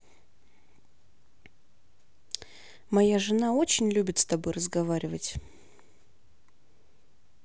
моя жена тебя очень любит с тобой разговаривать